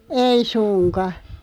ei suinkaan